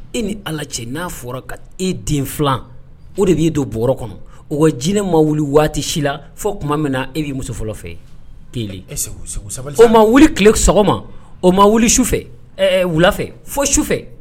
E ni ala cɛ n'a fɔra ka e den filanan o de b'i don bɔ kɔnɔ o jinɛ ma wuli waati si la fɔ tuma min na e'i muso fɔlɔ fɛ ke o ma wuli tile sɔgɔma o ma wuli sufɛ wulafɛ fo sufɛ